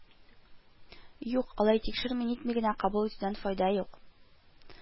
Юк, алай тикшерми-нитми генә кабул итүдән файда юк